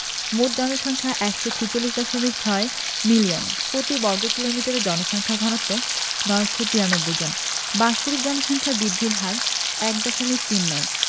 মোট জনসংখ্যা ১৪৬দশমিক ৬ মিলিয়ন প্রতি বর্গ কিলোমিটারে জনসংখ্যার ঘনত্ব ৯৯৩ জন বাৎসরিক জনসংখ্যা বৃদ্ধির হার ১দশমিক তিন নয়